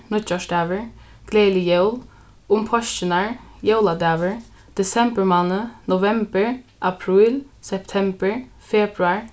nýggjársdagur gleðilig jól um páskirnar jóladagur desemburmánaður novembur apríl septembur februar